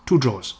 Two drawers.